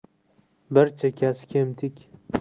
bir chekkasi kemtik